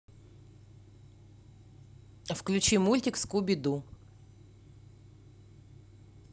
включи мультик скуби ду